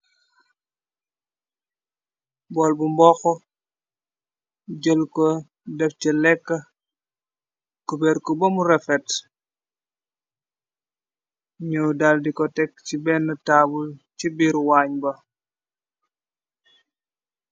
Bool bu mbox jël ko def ca lekk cuberku bamu refetñooy dal di ko tek ci benn taabul ci biiru waañ ba.